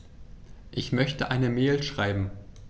Ich möchte eine Mail schreiben.